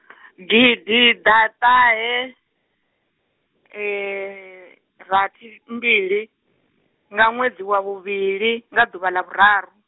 gididatahe- -rathi mbili nga ṅwedzi wa vhuvhili nga ḓuvha ḽa vhuraru.